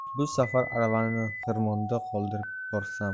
bu safar aravani xirmonda qoldirib borsam